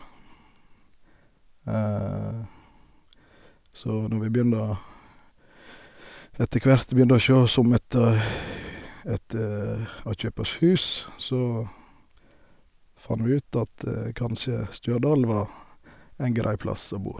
Så når vi begynte å etter hvert begynte å sjå oss om etter etter å kjøpe oss hus, så fant vi ut at kanskje Stjørdal var en grei plass å bo.